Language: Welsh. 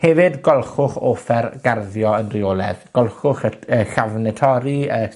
Hefyd, golchwch offer garddio yn reoledd, golchwch yr y llafne torri y